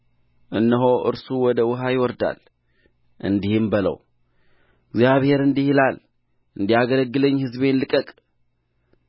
እነሆ እርሱ ወደ ውኃ ይወርዳል እንዲህም በለው እግዚአብሔር እንዲህ ይላል እንዲያገለግለኝ ሕዝቤን ልቀቅ